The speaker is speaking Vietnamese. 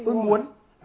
tôi muốn